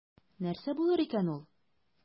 Нәрсә булыр икән ул?